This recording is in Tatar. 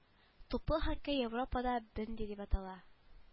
Туплы хоккей европада бенди дип атала